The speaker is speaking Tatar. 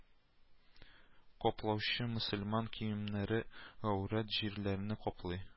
Каплаучы мөселман киемнәре гаурәт җирләренә каплый